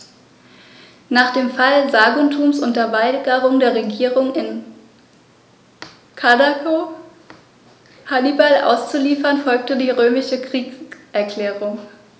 Nach dem Fall Saguntums und der Weigerung der Regierung in Karthago, Hannibal auszuliefern, folgte die römische Kriegserklärung.